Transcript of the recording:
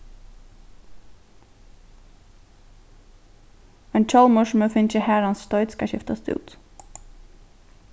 ein hjálmur sum hevur fingið harðan stoyt skal skiftast út